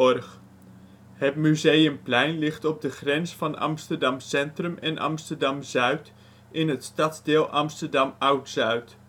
Het Museumplein ligt op de grens van Amsterdam-Centrum en Amsterdam-Zuid in het stadsdeel Amsterdam Oud-Zuid